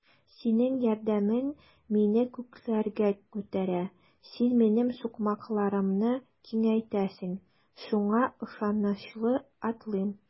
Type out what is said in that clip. Синең ярдәмең мине күкләргә күтәрә, син минем сукмакларымны киңәйтәсең, шуңа ышанычлы атлыйм.